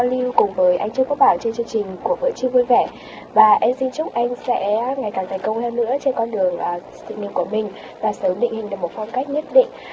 lưu cùng với anh trương quốc bảo trên chương trình của buổi trưa vui vẻ và em xin chúc anh sẽ ngày càng thành công hơn nữa trên con đường sự nghiệp của mình và sớm định hình được một phong cách nhất định